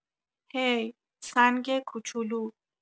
هی، سنگ کوچولو!